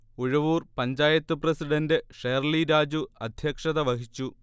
Uzhavoor panchayat president Shirley Raju അധ്യക്ഷത വഹിച്ചു